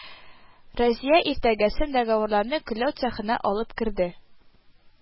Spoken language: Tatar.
Разия иртәгесен договорны көлләү цехына алып керде